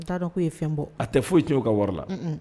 U bɛ t'a ko' ye fɛn bɔ a tɛ foyi ye'o ka wari la